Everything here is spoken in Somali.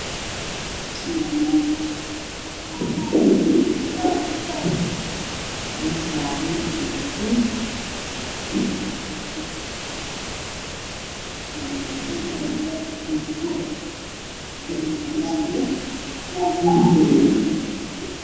Waxaa muuqda jijin dahab ah oo jaalo ah